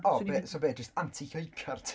O... 'swn i jyst. ...be? So be jyst anti Lloegr ti?